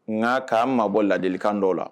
Ŋa ka mabɔ ladilikan dɔw la